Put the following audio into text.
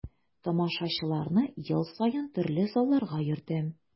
Тамашачыларны ел саен төрле залларга йөртәм.